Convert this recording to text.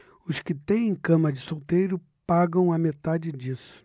os que têm cama de solteiro pagam a metade disso